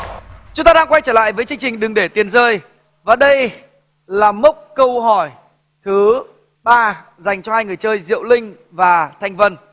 chúng ta đang quay trở lại với chương trình đừng để tiền rơi và đây là mốc câu hỏi thứ ba dành cho hai người chơi diệu linh và thanh vân